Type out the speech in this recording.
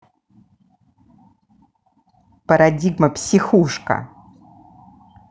парадигма психушка